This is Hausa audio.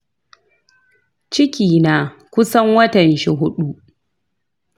ciki na kusan watanshi huɗu.